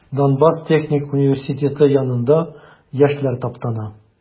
Донбасс техник университеты янында яшьләр таптана.